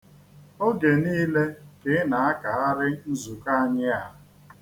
Oge niile ka ị na-akagharị nzukọ anyị a.